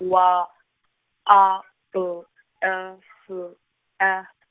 W , A, B, E, S, E.